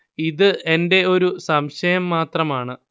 ഇത് എന്റെ ഒരു സംശയം മാത്രമാണ്